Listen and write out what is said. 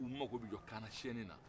u mako bɛ jɔ kannasɛni na